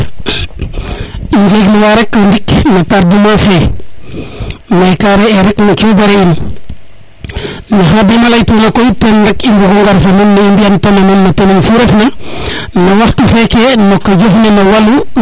i njeglu wa rek no tardement fe mais ke re e rek no cobare in ne Khadim a ley tuna koy kon rek i mbexey mbitana nuun no tening fu ref na no waxtu feke ke jofna no walu